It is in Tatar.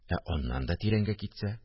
– ә аннан да тирәнгә китсә